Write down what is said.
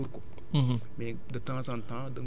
nga jël sa bâche muur ko